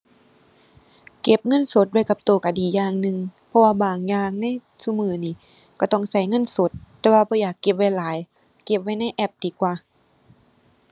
เก็บเงินสดไว้กับตัวตัวดีอย่างหนึ่ง เพราะว่าบางอย่างในซุมื้อนี้ตัวต้องตัวเงินสด แต่ว่าบ่อยากเก็บไว้หลาย เก็บไว้ในแอปดีกว่า